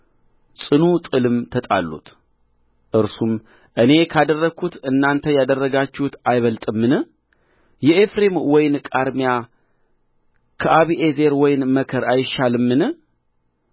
ጽኑ ጥልም ተጣሉት እርሱም እኔ ካደረግሁት እናንተ ያደረጋችሁት አይበልጥምን የኤፍሬም ወይን ቃርሚያ ከአቢዔዝር ወይን መከር አይሻልምን